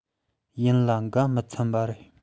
ཡིན ལ འགའ མི འཚམ པ ཞིག རེད